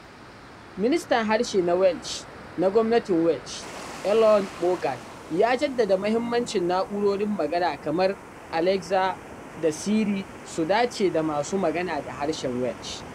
Ministan harshe na Welsh na gwamnatin Welsh, Eluned Morgan, ya jaddada muhimmancin na'urorin magana kamar Alexa da Siri su dace da masu magana da harshen Welsh.